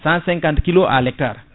150 kilos à l' hectare